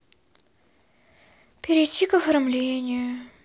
перейти к оформлению